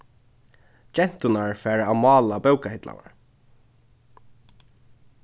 genturnar fara at mála bókahillarnar